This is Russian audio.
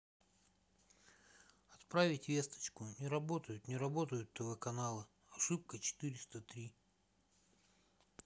отправить весточку не работают не работают тв каналы ошибка четыреста три